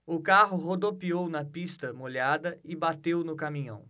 o carro rodopiou na pista molhada e bateu no caminhão